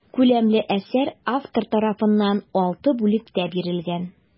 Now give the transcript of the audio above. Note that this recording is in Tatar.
Күләмле әсәр автор тарафыннан алты бүлектә бирелгән.